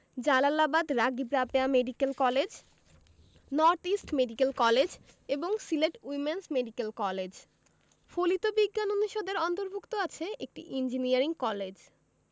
Jalalabad Ragib Rabeya medical college north east medical college এবং Sylhet women's medical college ফলিত বিজ্ঞান অনুষদের অন্তর্ভুক্ত আছে একটি ইঞ্জিনিয়ারিং কলেজ